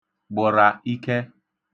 gbə̣̀rà ik̇ẹ